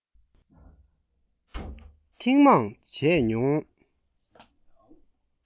ཐེངས མང བྱས མྱོང